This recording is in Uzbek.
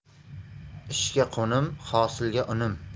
ishga qo'nim hosilga unum